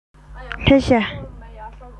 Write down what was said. སླེབས བཞག